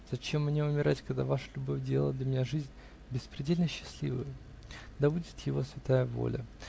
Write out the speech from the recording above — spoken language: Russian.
Зачем мне умирать, когда ваша любовь делала для меня жизнь беспредельно счастливою? Да будет его святая воля.